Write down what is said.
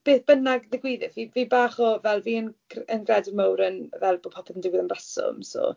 Neth bynnag ddigwyddith fi fi bach o fel fi'n cr- yn gredwr mawr yn fel bod popeth yn digwydd am reswm, so...